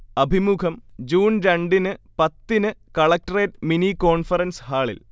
അഭിമുഖം ജൂൺ രണ്ടിന് പത്തിന് കളക്ടറേറ്റ് മിനി കോൺഫറൻസ് ഹാളിൽ